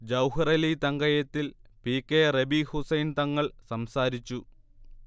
ജൗഹറലി തങ്കയത്തിൽ, P K Rabeeh Hussain Thangal സംസാരിച്ചു